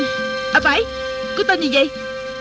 à phải cô tên gì vậy